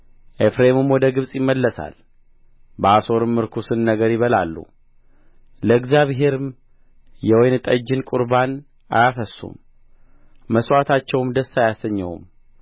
ኤፍሬምም ወደ ግብጽ ይመለሳል በአሦርም ርኩስን ነገር ይበላሉ ለእግዚአብሔርም የወይን ጠጅን ቁርባን አያፈስሱም መሥዋዕታቸውም ደስ አያሰኘውም